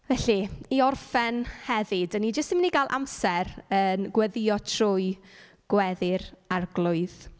Felly, i orffen heddi dan ni jyst yn mynd i gael amser yn gweddïo trwy Gweddi'r Arglwydd.